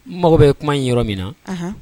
Mago bɛ kuma in yɔrɔ min na